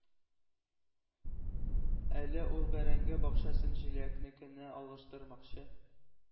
Әле ул бәрәңге бакчасын җиләкнекенә алыштырмакчы.